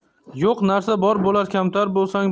yo'q narsa bor bo'lar kamtar bo'lsang